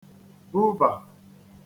bubà